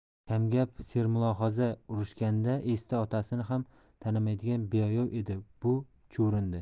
kamgap sermulohaza urishganda esa otasini ham tanimaydigan beayov edi bu chuvrindi